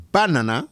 Ba nana.